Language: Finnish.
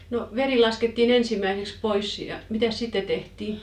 no veri laskettiin ensimmäiseksi pois ja mitäs sitten tehtiin